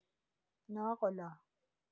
ناقلا